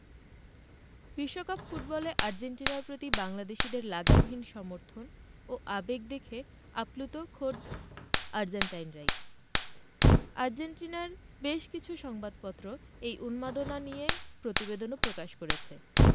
বিশ্বকাপ ফুটবলে আর্জেন্টিনার প্রতি বাংলাদেশিদের লাগামহীন সমর্থন ও আবেগ দেখে আপ্লুত খোদ আর্জেন্টাইনরাই আর্জেন্টিনার বেশ কিছু সংবাদপত্র এই উন্মাদনা নিয়ে প্রতিবেদনও প্রকাশ করেছে